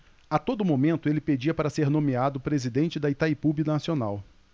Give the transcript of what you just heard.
a todo momento ele pedia para ser nomeado presidente de itaipu binacional